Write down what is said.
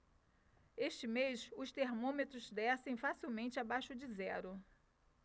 este mês os termômetros descem facilmente abaixo de zero